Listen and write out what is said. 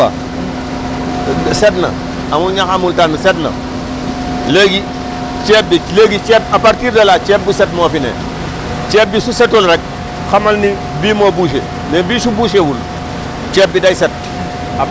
set na quoi set na amul ñaax amul tànn set na léegi ceeb bi léegi ceeb à partir de là ceeb bu set moo fi ne ceeb bi su setul rek xamal ni lii moo bougé mais su bougé wul ceeb bi day set ceeb bi day set